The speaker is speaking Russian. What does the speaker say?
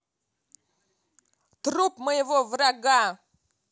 труп моего врага